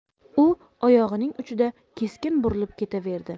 u oyog'ining uchida keskin burilib ketaverdi